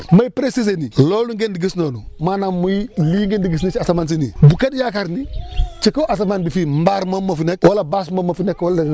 may préciser ni loolu ngeen di gis noonu maanaam muy lii ngeen di gis si asamaan si nii bu kenn yaakaar ni ci kaw asamaan bi fii mbaar moo fi nekk wala bâche moom moo fi nekk wala lan